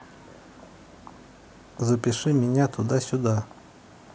запиши меня туда сюда